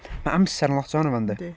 Mae amser yn lot ohonno fo yndi?